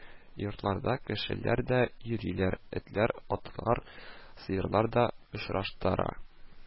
Йортларда кешеләр дә йөриләр, этләр, атлар, сыерлар да очраштыра